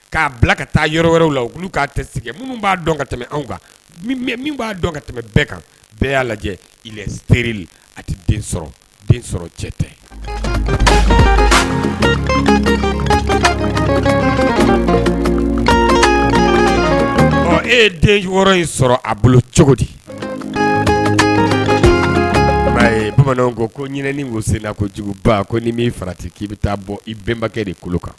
K'a bila ka taa yɔrɔ wɛrɛw la olu k'a tɛ s min b'a dɔn ka tɛmɛ anw kan min b'a dɔn ka tɛmɛ bɛɛ kan bɛɛ y'a lajɛ i se a tɛ cɛ tɛ e ye den wɔɔrɔ in sɔrɔ a bolo cogo di ye bamananw ko ko ɲinini wo sen la juguba ko ni min fara tɛ k' i bɛ taa bɔ i bɛnbakɛ de kolo kan